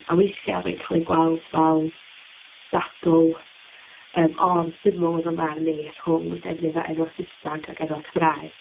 A weithia mae'n cael ei gweld fel dadl yym or-syml yn fy marn i, rhwng defnydd o enwau Saesneg ac enwau Cymraeg.